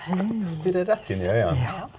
stirrer rett inn i øya.